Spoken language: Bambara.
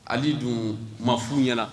Hali dun mafin ɲɛna